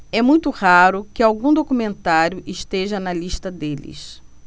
é muito raro que algum documentário esteja na lista deles